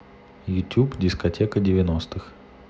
ютуб дискотека девяностых